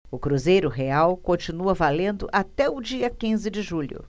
o cruzeiro real continua valendo até o dia quinze de julho